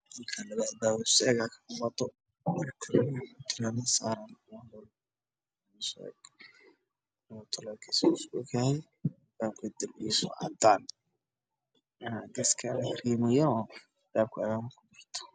Gashan waxaa ku yaalla labo qol oo isku dhigaan labada qolo waa isku albaab isku egiyey inuu xanuu ku yaalla albaab madow vd-xigeenka oo qurxin